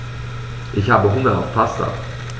Ich habe Hunger auf Pasta.